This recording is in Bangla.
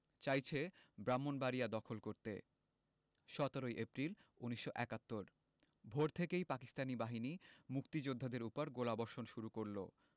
চাইছে ব্রাহ্মনবাড়িয়া দখল করতে ১৭ এপ্রিল ১৯৭১ ভোর থেকেই পাকিস্তানি বাহিনী মুক্তিযোদ্ধাদের উপর গোলাবর্ষণ শুরু করল